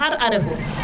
xar a refu